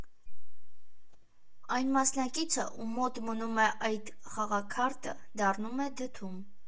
Այն մասնակիցը, ում մոտ մնում է այդ խաղաքարտը՝ «դառնում է» դդում։